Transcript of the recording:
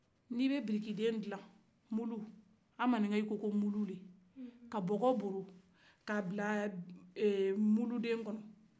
ni bɛ bidikiden dilan mulu manikaw ko mulu le ka bɔkɔ boro ka bila muluden kɔnɔ